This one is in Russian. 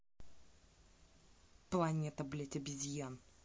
планета блядь обезьян